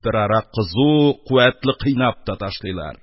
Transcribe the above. Берара кызу, куәтле кыйнап та ташлыйлар.